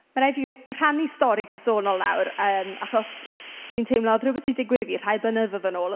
Ma' raid fi w- rhannu stori personol nawr yym achos dwi'n teimlo oedd rhywbeth 'di digwydd i fi rhai blynyddoedd yn ôl.